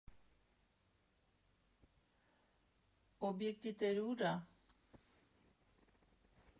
Օբեկտի տերը ու՞ր ա։